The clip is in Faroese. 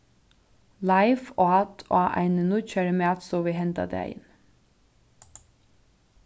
leif át á eini nýggjari matstovu henda dagin